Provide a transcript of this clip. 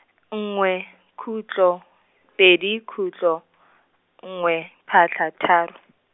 nngwe, khutlo, pedi khutlo, nngwe, phatlha, tharo.